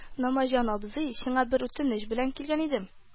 – намаҗан абзый, сиңа бер үтенеч белән килгән идем